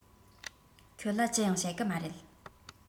ཁྱོད ལ ཅི ཡང བཤད གི མ རེད